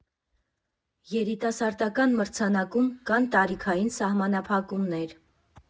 Երիտասարդական մրցանակում կան տարիքային սահմանափակումներ։